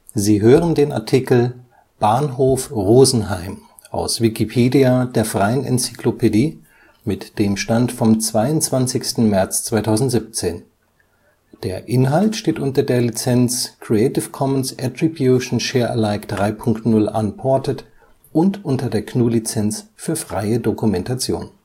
Sie hören den Artikel Bahnhof Rosenheim, aus Wikipedia, der freien Enzyklopädie. Mit dem Stand vom Der Inhalt steht unter der Lizenz Creative Commons Attribution Share Alike 3 Punkt 0 Unported und unter der GNU Lizenz für freie Dokumentation